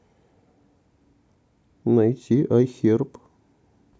найти айхерб